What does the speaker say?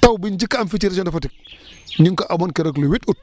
taw biñ njëkk a am fii ci région de Fatick ñu ngi ko amoon keroog le huit août